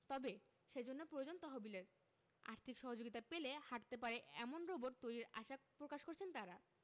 তবে সেজন্য প্রয়োজন তহবিলের আর্থিক সহযোগিতা পেলে হাটতে পারে এমন রোবট তৈরির আশা প্রকাশ করেছেন তারা